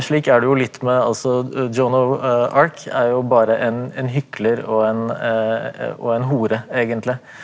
slik er det jo litt med altså Joan of Arc er jo bare en en hykler og en og en hore egentlig.